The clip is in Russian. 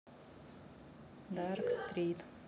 dark street